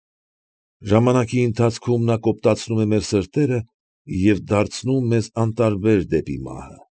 Ժամանակի ընթացքում նա կոպտացնում է մեր սրտերը և դարձնում մեզ անտարբեր դեպի մահը։